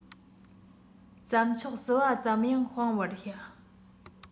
རྩྭ མཆོག ཟིལ པ ཙམ ཡང སྤང བར བྱ